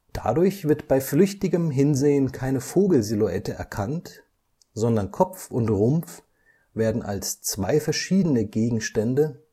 Dadurch wird bei flüchtigem Hinsehen keine Vogelsilhouette erkannt, sondern Kopf und Rumpf werden als zwei verschiedene Gegenstände